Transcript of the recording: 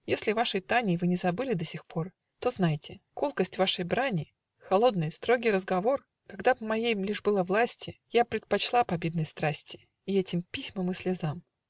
если вашей Тани Вы не забыли до сих пор, То знайте: колкость вашей брани, Холодный, строгий разговор, Когда б в моей лишь было власти, Я предпочла б обидной страсти И этим письмам и слезам.